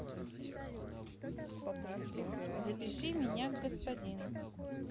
запиши меня к господин